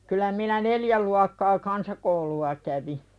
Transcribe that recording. kyllä minä neljä luokkaa kansakoulua kävin